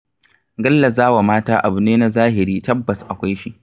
Gallazawa mata abu ne na zahiri, tabbas akwai shi.